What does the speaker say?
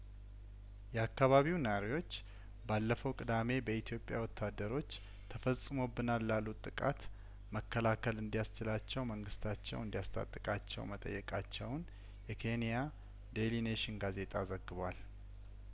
የአካባቢው ነዋሪዎች ባለፈው ቅዳሜ በኢትዮጵያ ወታደሮች ተፈጽሞ ብናል ላሉት ጥቃት መከላከል እንዲ ያስችላቸው መንግስታቸው እንዲያስ ታጥቃቸው መጠየቃቸውን የኬንያዴይሊ ኔሽን ጋዜጣ ዘግቧል